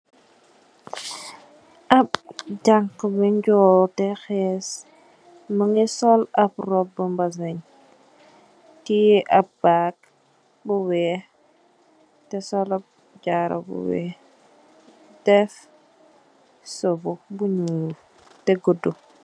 Ab jàngha bu ñyol tè hees, mungi sol ab robbu mbasin, tè ab bag bu weeh ta solub jaaro bu weeh deff subu bu ñuul tè guddu.